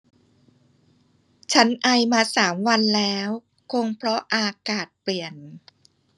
ฉันไอมาสามวันแล้วคงเพราะอากาศเปลี่ยน